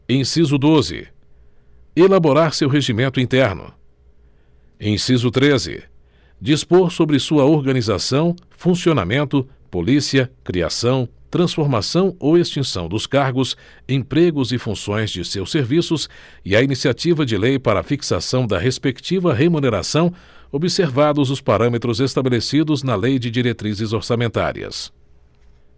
inciso doze elaborar seu regimento interno inciso treze dispor sobre sua organização funcionamento polícia criação transformação ou extinção dos cargos empregos e funções de seus serviços e a iniciativa de lei para fixação da respectiva remuneração observados os parâmetros estabelecidos na lei de diretrizes orçamentárias